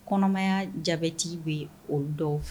Kɔnɔmaya jati bɛ yen o dɔw fɛ